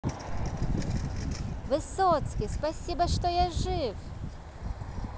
высоцкий спасибо что я жив